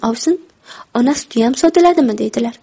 ovsin ona sutiyam sotiladimi deydilar